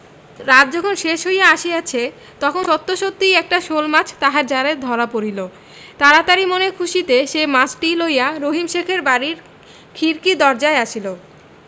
রাত যখন শেষ হইয়া আসিয়াছে তখন সত্য সত্যই একটা শোলমাছ তাহার জালে ধরা পড়িল তাড়াতাড়ি মনের খুশীতে সে মাছটি লইয়া রহিম শেখের বাড়ির খিড়কি দরজায় আসিল